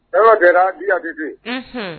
Ema Tera dit ATT unhun